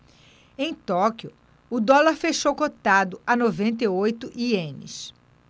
em tóquio o dólar fechou cotado a noventa e oito ienes